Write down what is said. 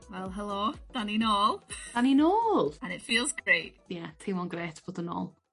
Wel helo 'dan ni' nôl. 'Dan ni' nôl and it feels grate. Ia teimlo'n grêt fod yn ôl